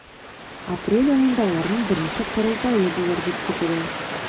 Апрель аенда аларның беренче корылтае булыр дип көтелә.